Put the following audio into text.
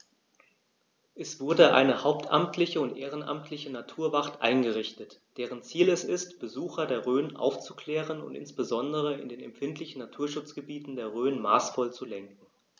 Es wurde eine hauptamtliche und ehrenamtliche Naturwacht eingerichtet, deren Ziel es ist, Besucher der Rhön aufzuklären und insbesondere in den empfindlichen Naturschutzgebieten der Rhön maßvoll zu lenken.